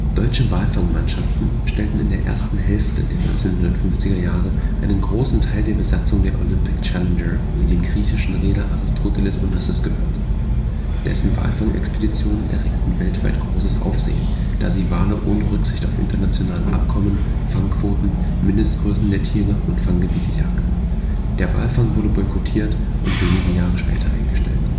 Deutsche Walfangmannschaften stellten in der ersten Hälfte der 1950er-Jahre einen großen Teil der Besatzung der Olympic Challenger, die dem griechischen Reeder Aristoteles Onassis gehörte. Dessen Walfangexpeditionen erregten weltweit großes Aufsehen, da sie Wale ohne Rücksicht auf internationale Abkommen, Fangquoten, Mindestgröße der Tiere und Fanggebiete jagten. Der Walfang wurde boykottiert und wenige Jahre später eingestellt